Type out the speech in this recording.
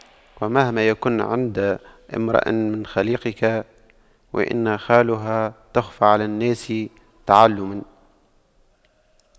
ومهما يكن عند امرئ من خَليقَةٍ وإن خالها تَخْفَى على الناس تُعْلَمِ